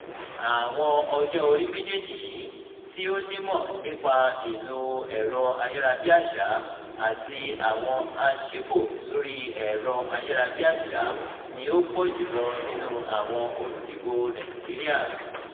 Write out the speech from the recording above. Àwọn ọjọ́-orí méjèèjì yìí, tí ó ní onímọ̀ nípa ìlò ẹ̀rọ ayárabíàṣá àti àwọn aṣípò sórí ẹ̀rọ ayárabíàṣá, ni ó pọ̀ jù lọ nínú àwọn olùdìbòo Nàìjíríà.